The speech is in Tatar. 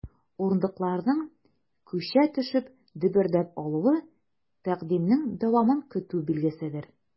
Урындыкларның, күчә төшеп, дөбердәп алуы— тәкъдимнең дәвамын көтү билгеседер.